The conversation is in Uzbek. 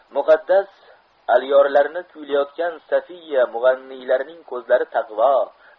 muqaddas alyorlarni kuylayotgan sofiya mug'anniylarining ko'zlari taqvo